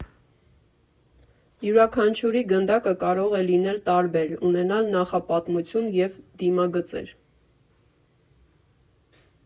Յուրաքանչյուրի գնդակը կարող է լինել տարբեր, ունենալ նախապատմություն և դիմագծեր։